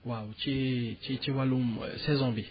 waaw ci ci ci wàllum saison bi